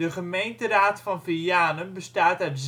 gemeenteraad van Vianen bestaat uit